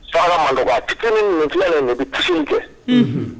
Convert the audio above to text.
Taara man a tɛ ni nin filɛ min ne bɛ kisi kɛ